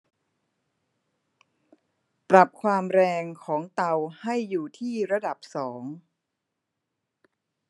ปรับความแรงของเตาให้อยู่ที่ระดับสอง